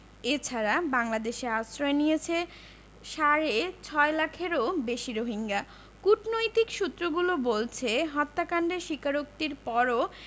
এ ছাড়া বাংলাদেশে আশ্রয় নিয়েছে সাড়ে ছয় লাখেরও বেশি রোহিঙ্গা কূটনৈতিক সূত্রগুলো বলছে হত্যাকাণ্ডের স্বীকারোক্তির পরও